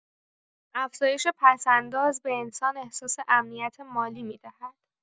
افزایش پس‌انداز به انسان احساس امنیت مالی می‌دهد.